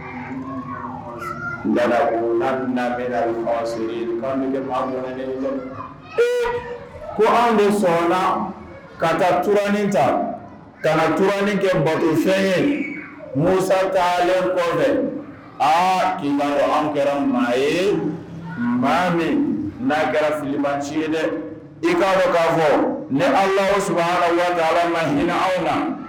Fa ko an bɛ sɔnna ka taa kuranin ta ka nauranin kɛ barofɛn ye musa ntalen kɔfɛ aa kiba an kɛra maa ye maa min n'a kɛra filiba ci ye dɛ i ka k ka fɔ ne alaaw ala na hinɛ aw na